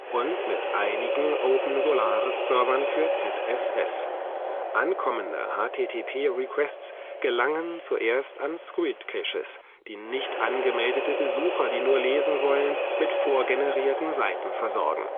und mit einigen OpenSolaris-Servern für ZFS. Ankommende HTTP-Requests gelangen zuerst an Squid-Caches, die nicht angemeldete Besucher, die nur lesen wollen, mit vorgenerierten Seiten versorgen